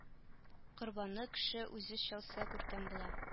Корбанны кеше үзе чалса күркәм була